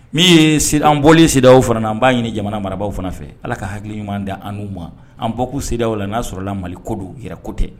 Min ye an bɔlen sew fana an b'a ɲini jamana marabagaw fana fɛ ala ka hakilikil ɲuman di anu ma an bɔ'u seraw la n y'a sɔrɔ la mali ko don yɛrɛ ko tɛ